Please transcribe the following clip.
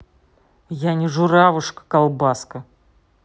я не журавушка колбаска